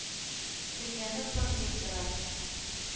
Дөньяны пыр туздыра?